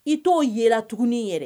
I t'o ye tugun yɛrɛ